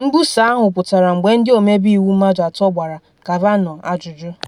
Mbusa ahụ pụtara mgbe ndị ọmebe iwu mmadụ atọ gbara Kavanaugh ajụjụ.